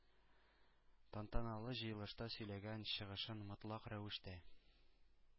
Тантаналы җыелышта сөйләгән чыгышын мотлак рәвештә